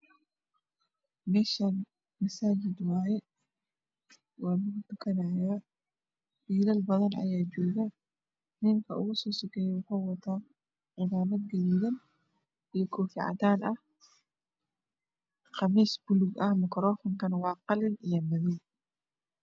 Meshaan masajid wayee walagu tukanaa wilal badan ayaa joogo ninka ugu soo sokeeyo waxa uu wataa cimaamad gaduudan iyo koofi cadaana ah qamiis paluuga ah makarofankana waa qalin iyo madow